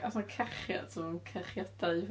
Os 'na cachiad 'sa fo'n cachiadau...